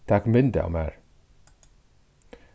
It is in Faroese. tak mynd av mær